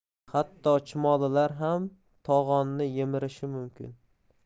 hatto chumolilar ham to'g'onni yemirishi mumkin